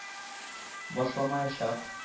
Башламаячак